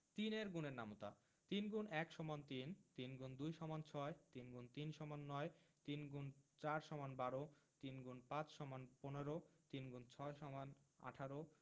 ৩ এর গুণের নামতা ৩ X ১ = ৩ ৩ X ২ = ৬ ৩ × ৩ = ৯ ৩ X ৪ = ১২ ৩ X ৫ = ১৫ ৩ x ৬ = ১৮